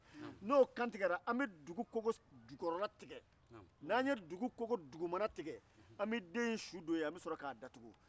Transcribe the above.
n'o kantigɛra an bɛ dugu kogo dugumana tigɛ k'a su don ye